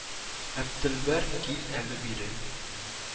Әптелбәр, кил әле бире